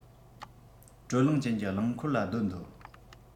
དྲོད རླངས ཅན གྱི རླངས འཁོར ལ སྡོད འདོད